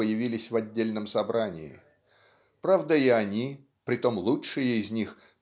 появились в отдельном собрании. Правда, и они притом лучшие из них